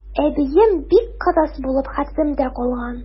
Әбием бик кырыс булып хәтеремдә калган.